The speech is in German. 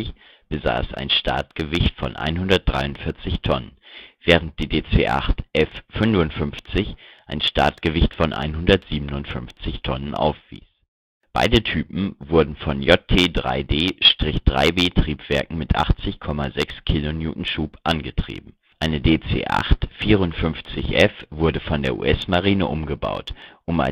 besaß ein Startgewicht von 143 Tonnen, während die DC-8F-55 ein Startgewicht von 147 Tonnen aufwies. Beide Typen wurden von JT3D-3B-Triebwerken mit 80,60 kN Schub angetrieben. Eine DC-8-54F wurde von der US-Marine umgebaut, um